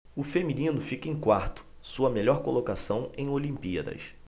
o feminino fica em quarto sua melhor colocação em olimpíadas